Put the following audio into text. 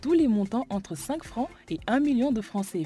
Du muntɔnɔntɔn san an bɛ ɲɔn de fɛnsen